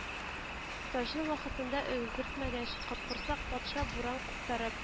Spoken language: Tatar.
Таҗны вакытында өлгертмәгәч, Капкорсак патша буран куптарып